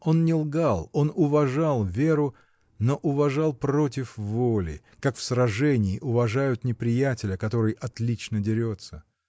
Он не лгал: он уважал Веру, но уважал против воли, как в сражении уважают неприятеля, который отлично дерется.